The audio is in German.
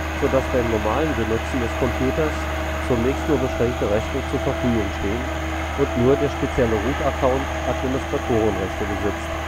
so dass beim normalen Benutzen des Computers zunächst nur beschränkte Rechte zur Verfügung stehen und nur der spezielle Root-Account Administratorenrechte besitzt